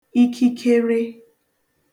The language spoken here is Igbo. ikikere